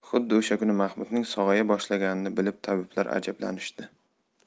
xuddi o'sha kuni mahmudning sog'aya boshlaganini bilib tabiblar ajablanishdi